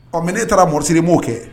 Ɔ mais ne taara morcelle. ni mo kɛ